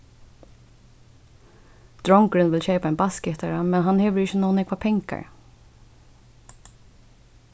drongurin vil keypa ein bassgittara men hann hevur ikki nóg nógvar pengar